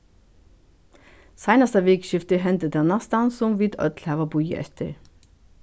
seinasta vikuskifti hendi tað næstan sum vit øll hava bíðað eftir